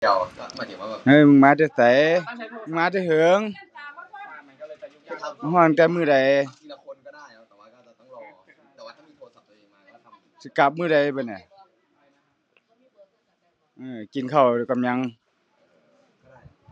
มึงมาแต่ไส มึงมาแต่เหิง มาฮอดตั้งแต่มื้อใด สิกลับมื้อใดบัดนี้ เอ้อ กินข้าวกับหยัง